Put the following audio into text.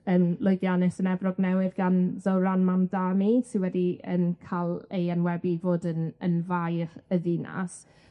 yym lwyddiannus yn Efrog Newydd gan Zoran Mandani sy wedi yym ca'l ei enwebu i fod yn yn faer y ddinas.